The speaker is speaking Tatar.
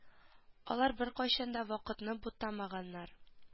Алар беркайчан да вакытны бутамаганнар